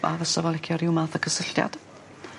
A fysa fo licio rhyw math y cysylltiad.